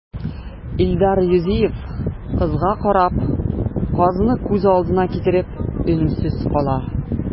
Илдар Юзеев, кызга карап, казны күз алдына китереп, өнсез кала.